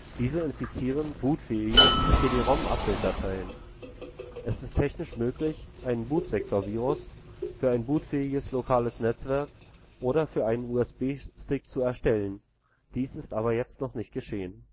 Diese infizieren bootfähige CD-ROM-Abbilddateien. Es ist technisch möglich, einen Bootsektorvirus für ein bootfähiges lokales Netzwerk oder für einen USB-Stick zu erstellen, dies ist aber bis jetzt noch nicht geschehen